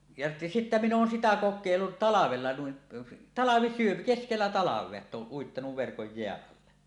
ja sitten minä olen sitä kokeillut talvella noin - keskellä talvea että olen uittanut verkon jään alle